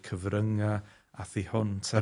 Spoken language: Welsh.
cyfrynga' a thu hwnt a